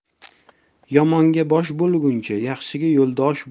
yomonga bosh bo'lguncha yaxshiga yo'ldosh bo'l